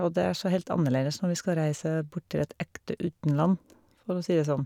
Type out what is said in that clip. Og det er så helt annerledes når vi skal reise bort til et ekte utenland, for å si det sånn.